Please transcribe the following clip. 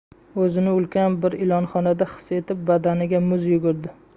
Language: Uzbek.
o'zini ulkan bir ilonxonada his etib badaniga muz yugurdi